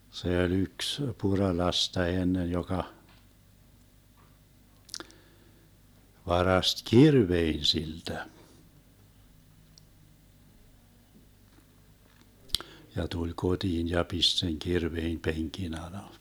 se oli yksi Puralasta ennen joka varasti kirveen siltä ja tuli kotiin ja pisti sen kirveen penkin alle